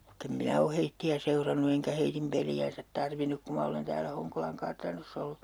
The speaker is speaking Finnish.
vaikka en minä ole heitä seurannut enkä heidän peliään tarvinnut kun minä olen täällä Honkolan kartanossa ollut